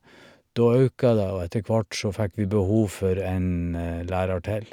Da auka det, og etter hvert så fikk vi behov for en lærer til.